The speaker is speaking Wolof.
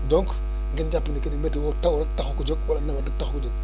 donc ngeen jàpp ni que ni météo taw rek taxu ko jóg wala nawet rek taxu koo jóg